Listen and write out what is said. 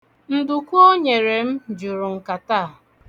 Nduku onyere m juru nkata a.